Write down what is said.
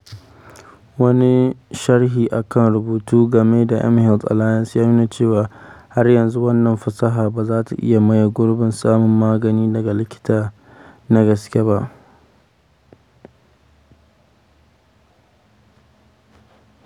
Wani sharhi a kan rubutu game da mHealth Alliance ya nuna cewa, har yanzu wannan fasaha ba za ta iya maye gurbin samun magani daga likita na gaske ba.